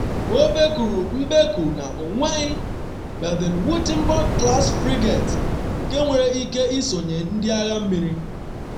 O bekuru mbeku na ọ nweghị Baden-Wuerttemberg-class frigate nke nwere ike isonye Ndị Agha Mmiri.